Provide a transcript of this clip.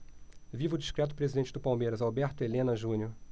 viva o discreto presidente do palmeiras alberto helena junior